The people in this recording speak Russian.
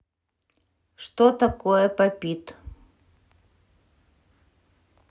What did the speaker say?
что такое попит